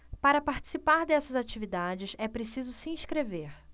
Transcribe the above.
para participar dessas atividades é preciso se inscrever